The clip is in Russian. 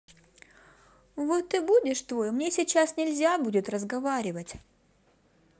вот ты будешь твой мне сейчас нельзя будет разговаривать